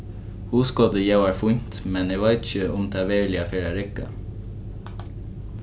hugskotið ljóðar fínt men eg veit ikki um tað veruliga fer at rigga